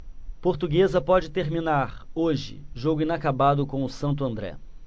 portuguesa pode terminar hoje jogo inacabado com o santo andré